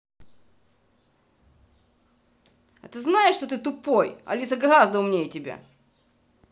а ты знаешь то что ты тупой алиса гораздо умнее тебя